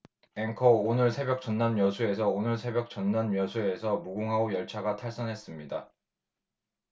앵커 오늘 새벽 전남 여수에서 오늘 새벽 전남 여수에서 무궁화호 열차가 탈선했습니다